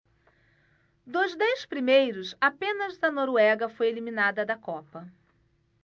dos dez primeiros apenas a noruega foi eliminada da copa